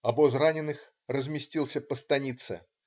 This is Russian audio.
Обоз раненых разместился по станице.